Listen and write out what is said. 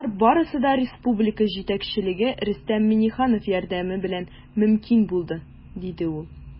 Болар барысы да республика җитәкчелеге, Рөстәм Миңнеханов, ярдәме белән мөмкин булды, - диде ул.